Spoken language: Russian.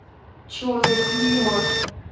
черный климат